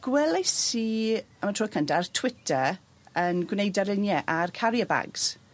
gwelais i am y tro cynta ar Twitter yn gwneud darluniau a'r carrier bags.